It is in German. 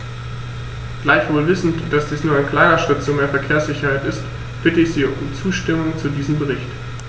Gleichwohl wissend, dass dies nur ein kleiner Schritt zu mehr Verkehrssicherheit ist, bitte ich Sie um die Zustimmung zu diesem Bericht.